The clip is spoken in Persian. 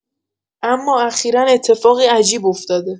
اما اخیرا اتفاقی عجیب افتاده